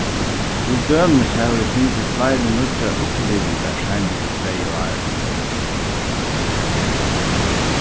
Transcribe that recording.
til dømis hava vit fingið fleiri nýggjar upplivingar seinastu tvey árini